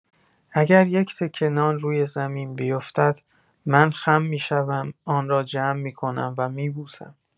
اگر یک تکه نان روی زمین بیفتد من خم می‌شوم آن را جمع می‌کنم و می‌بوسم.